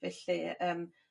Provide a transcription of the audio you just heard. Felly yym.